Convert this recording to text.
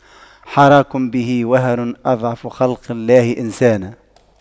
حراك به وهن أضعف خلق الله إنسانا